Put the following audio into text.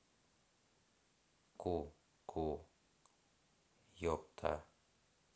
ку ку епта